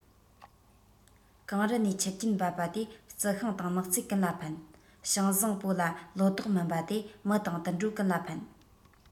གངས རི ནས ཆུ རྒྱུན བབས པ དེ རྩྭ ཤིང དང ནགས ཚལ ཀུན ལ ཕན ཞིང བཟང པོ ལ ལོ ཏོག སྨིན པ རེད མི དང དུད འགྲོ ཀུན ལ ཕན